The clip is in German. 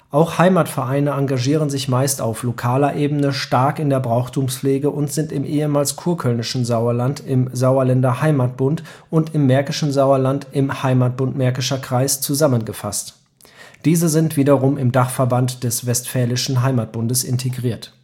Auch Heimatvereine engagieren sich meist auf lokaler Ebene stark in der Brauchtumspflege und sind im ehemals kurkölnischen Sauerland im Sauerländer Heimatbund und im märkischen Sauerland im Heimatbund Märkischer Kreis zusammengefasst. Diese sind wiederum im Dachverband des Westfälischen Heimatbundes integriert